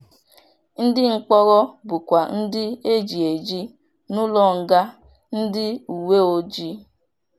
Ndị mkpọrọ bụkwa ndị ejieji n'ụlọnga ndị uwe ojii.